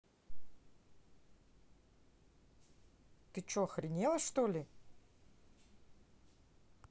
ты че охренела что ли